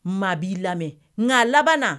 Maa b'i lamɛ ŋa a laban na